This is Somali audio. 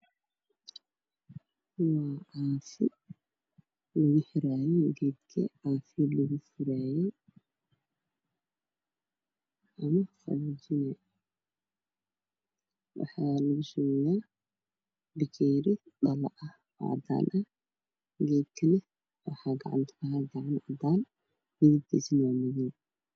Waa caafi lugu xiraayo geedka caafiga lugu furaayay, waxaa lugu shubahayaa bakeeri cadaan ah oo dhalo ah, geedka waxaa gacanta kuhayo gacan cadaan ah. Geedka waa madow.